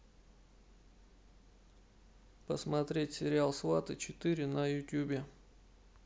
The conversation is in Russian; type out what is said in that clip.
посмотреть сериал сваты четыре на ютубе